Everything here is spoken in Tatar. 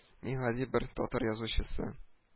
Мин гади бер татар язучысы